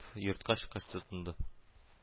Йортка чыккач тотынды